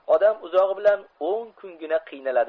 odam uzog'i bilan o'n kungina qiynaladi